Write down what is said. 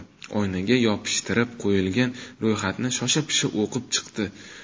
oynaga yopishtirib qo'yilgan ro'yxatni shosha pisha o'qib chiqdi